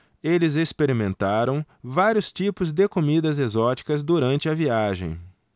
eles experimentaram vários tipos de comidas exóticas durante a viagem